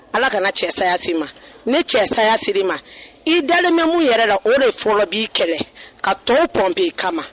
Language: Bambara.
Ala kana na cɛ saya i ma ni cɛ saya siri i ma i dalen bɛ mun yɛrɛ la o de fɔlɔ b'i kɛlɛ ka tɔwpɔnpi'i kama